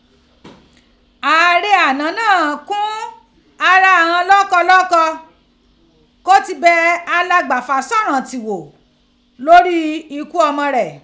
Ààrẹ àná naa kún ara ighan lookọ lookọ ko ti bẹ alagba Faṣọranti wo lori iku ọmọ rẹ.